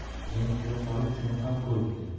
xo'jayin kira solib shuni ham ko'ribdi